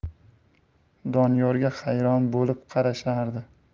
doniyorga hayron bo'lib qarashardi